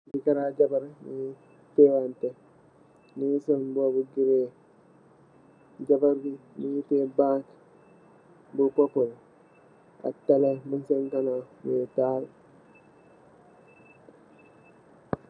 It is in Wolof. Jekarr ak jabarr nyunge teyante jabarr bi munge teyeh bag bu purple ak teleh mung sen ganaw munge taal